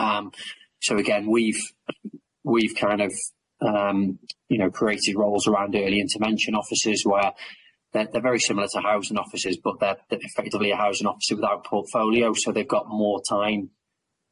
Um so again we've we've kind of um you know created roles around early intervention officers where they're very similar to housing officers but they're they're effectively a housing officer without portfolio so they've got more time